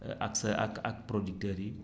ak sa ak ak producteur yi